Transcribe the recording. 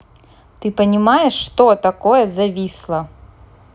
ты понимаешь что такое зависло